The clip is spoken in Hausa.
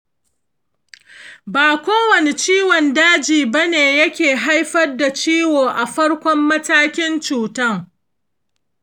ba kowani ciwon daji bane yake haifar da ciwo a farkon matakin cutan.